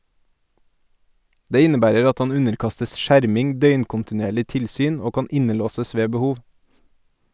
Det innebærer at han underkastes skjerming, døgnkontinuerlig tilsyn og kan innelåses ved behov.